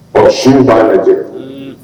Kɔlɔsisiww b'a lajɛ